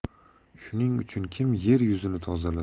shuning uchun kim yer yuzini